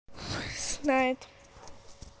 хуй знает